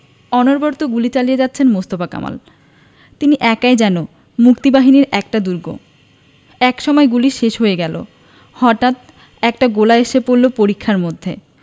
অনবরত গুলি চালিয়ে যাচ্ছেন মোস্তফা কামাল তিনি একাই যেন মুক্তিবাহিনীর একটা দুর্গ একসময় গুলি শেষ হয়ে গেল হটাঠ একটা গোলা এসে পড়ল পরিখার মধ্যে